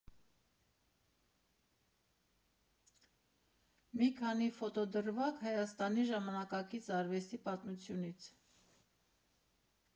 Մի քանի ֆոտոդրվագ Հայաստանի ժամանակակից արվեստի պատմությունից։